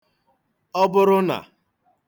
ọbụrụnà